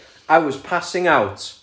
I was passing out